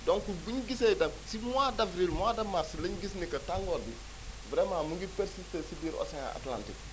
donc bu ñu gisee itam si mois d' avril mois de mars la ñu gis ni que tàngoor bi vraiment mu ngi persisté si biir Océan atlantique